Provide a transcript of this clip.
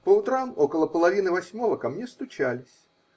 По утрам, около половины восьмого, ко мне стучались.